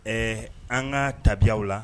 Ɛɛ an ka tabiw la